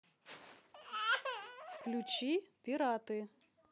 включи пираты